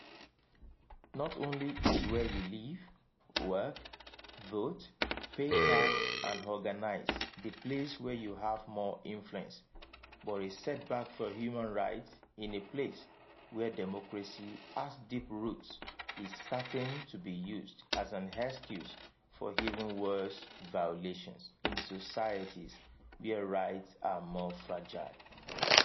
Not only is where you live, work, vote, pay tax and organize the place where you have more influence, but a setback for human rights in a place where democracy has deep roots is certain to be used as an excuse for even worse violations in societies where rights are more fragile.